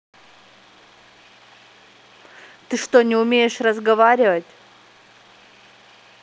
ты что не умеешь разговаривать